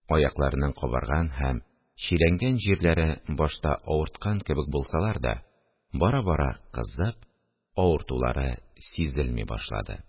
Аякларның кабарган һәм чиләнгән җирләре башта авырткан кебек булсалар да, бара-бара кызып, авыртулары сизелми башлады